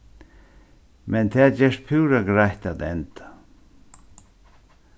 men tað gerst púra greitt at enda